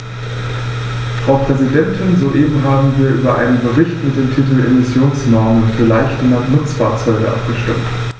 Frau Präsidentin, soeben haben wir über einen Bericht mit dem Titel "Emissionsnormen für leichte Nutzfahrzeuge" abgestimmt.